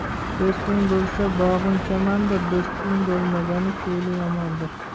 do'sting bo'lsa bog'ing chamandir do'sting bo'lmagani fe'ling yomondir